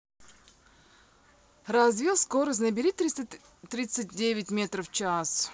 развил скорость набери триста тридцать девять метров в час